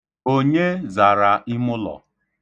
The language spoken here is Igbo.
Onye zara imụlọ?